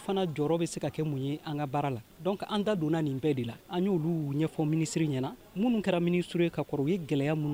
Fana jɔyɔrɔ bɛ se ka kɛ mun ye an ka baara la dɔn an da donna nin bɛɛ de la an y'olu'u ɲɛfɔ minisiriri ɲɛna minnu kɛra miniur ka kɔrɔ ye gɛlɛya minnu